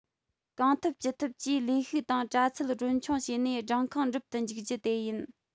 གང ཐུབ ཅི ཐུབ ཀྱིས ལས ཤུགས དང པྲ ཚིལ གྲོན ཆུང བྱས ནས སྦྲང ཁང འགྲུབ ཏུ འཇུག རྒྱུ དེ ཡིན